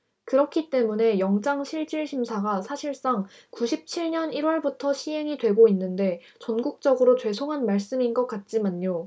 그렇기 때문에 영장실질심사가 사실상 구십 칠 년 일 월부터 시행이 되고 있는데 전국적으로 죄송한 말씀인 것 같지만요